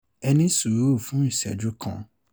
Ẹ ní sùúrù fún ìṣẹ́ju kan